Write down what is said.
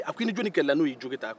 a ko i ni jɔnni kɛlɛla n'o y'i jogin tan